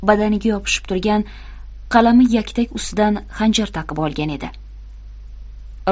badaniga yopishib turgan qalami yaktak ustidan xanjar taqib olgan edi